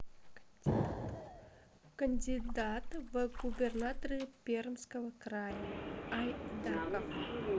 кандидат в губернаторы пермского края айдаков